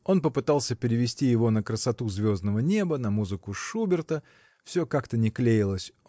Он попытался перевести его на красоту звездного неба, на музыку Шуберта -- все как-то не клеилось